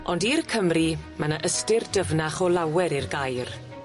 Ond i'r Cymry, ma' 'ny ystyr dyfnach o lawer i'r gair.